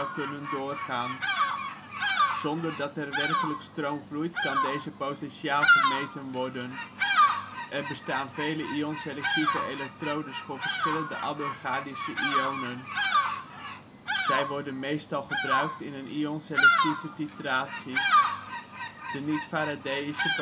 kunnen doorgaan. Zonder dat er werkelijk stroom vloeit, kan deze potentiaal gemeten worden. Er bestaan vele ion-selectieve elektrodes voor verschillende anorganische ionen. Zij worden meestal gebruikt in een ionselectieve titratie. De niet-Faradeïsche